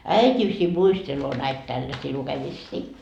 äitisi muistelee näitä tällaisia lukemisia